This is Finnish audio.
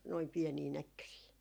noin pieniä näkkösiä